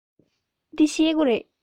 འདི ཤེལ སྒོ རེད